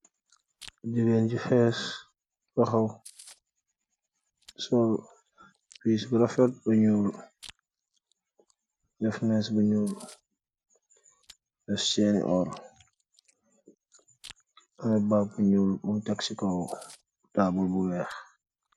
Jigeen bu hess , tahaw sol pess bu null, deff mess bu null , deff jann ni orr , ayy bag bu null bun tekk so koow tabul bu weeh.